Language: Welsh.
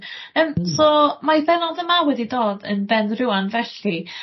Yym so mae bennodd yma wedi dod yn ben rŵan felly